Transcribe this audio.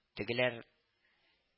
Тегеләр–